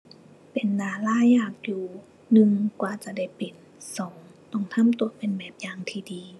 เป็นดารายากอยู่ หนึ่ง กว่าจะได้เป็น สอง ต้องทำตัวเป็นแบบอย่างที่ดี